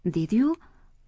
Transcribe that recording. dedi yu